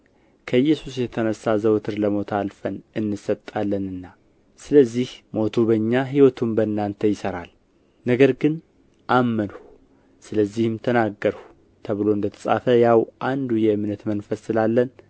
ከኢየሱስ የተነሣ ዘወትር ለሞት አልፈን እንሰጣለንና ስለዚህ ሞቱ በእኛ ሕይወቱም በእናንተ ይሠራል ነገር ግን አመንሁ ስለዚህም ተናገርሁ ተብሎ እንደ ተጻፈ ያው አንዱ የእምነት መንፈስ ስላለን